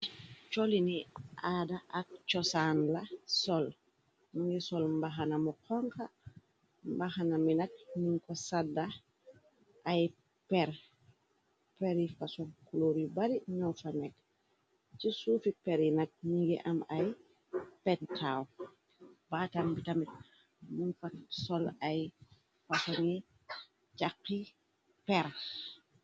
Colini aada ak cosaan la sol nu ngi sol mbaxanamu xonxa mbaxana mi nag niñ ko sadda ay er peri fasokloor yu bari ñoo fa nek ci suufi peri nag ni ngi am ay pedtow baatam bi tamit mun fat sol ay fasa ngi càqi peer.